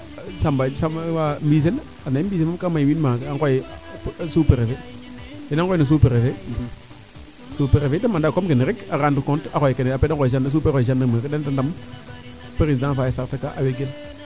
Samba Samba Mbiselle ande ka may yermande a ngooya Sous Prefet yee de ngooy na Sous Prefet sous Prefet comme anda comme kene rek a rendre compte a xooy kene apres :fdrac de ngooya gendarmerie de ndeta ndam president faa sartaka awegel